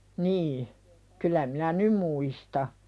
niin kyllä minä nyt muistan